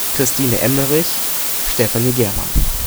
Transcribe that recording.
Christine Emmerich, Stefanie Germann